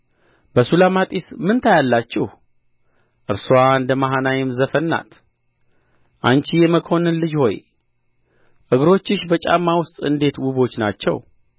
በሱላማጢስ ምን ታያላችሁ እርስዋ እንደ መሃናይም ዘፈን ናት አንቺ የመኰንን ልጅ ሆይ እግሮችሽ በጫማ ውስጥ እንዴት ውቦች ናቸው